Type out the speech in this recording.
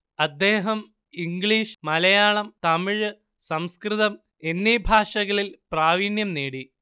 അദ്ദേഹം ഇംഗ്ലീഷ് മലയാളം തമിഴ് സംസ്കൃതം എന്നീ ഭാഷകളിൽ പ്രാവീണ്യം നേടി